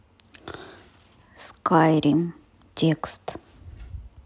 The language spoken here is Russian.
скайрим текст